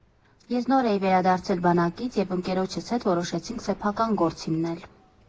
Ես նոր էի վերադարձել բանակից, և ընկերոջս հետ որոշեցինք սեփական գործ հիմնել։